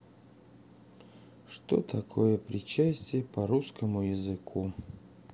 что такое причастие по русскому языку